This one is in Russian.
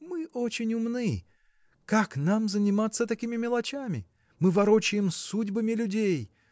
– Мы очень умны: как нам заниматься такими мелочами? Мы ворочаем судьбами людей.